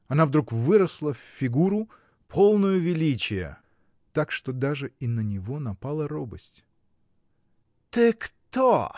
Она вдруг выросла в фигуру, полную величия, так что даже и на него напала робость. — Ты кто?